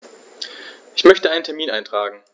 Ich möchte einen Termin eintragen.